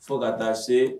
Fo ka taa se